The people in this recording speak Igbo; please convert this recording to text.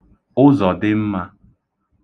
Ụzọ̀dịmmā